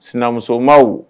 Sinamusoma